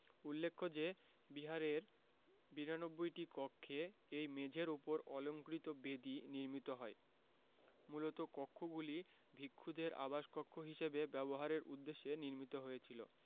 উল্লেখ্য যে বিহারের ৯২টি কক্ষে এই মেঝের উপর অলংকৃত বেদি নির্মিত হয় মূলত কক্ষগুলি ভিক্ষুদের আবাসকক্ষ হিসেবে ব্যবহারের উদ্দেশ্যে নির্মিত হয়েছিল